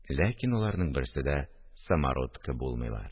Ләкин аларның берсе дә самородкы булмыйлар